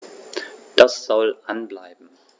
Das soll an bleiben.